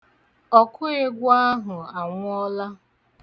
Ọkụegwu ahụ anwụọla.